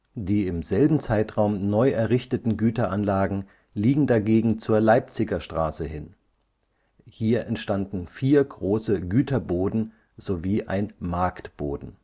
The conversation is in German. Die im selben Zeitraum neu errichteten Güteranlagen liegen dagegen zur Leipziger Straße hin. Es entstanden vier große Güterboden sowie ein Marktboden